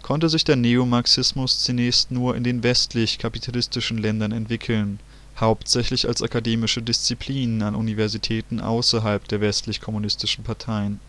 konnte sich der Neomarximus zunächst nur in den westlich-kapitalistischen Ländern entwickeln („ Westlicher Marxismus “), hauptsächlich als akademische Disziplin an Universitäten außerhalb der westlichen kommunistischen Parteien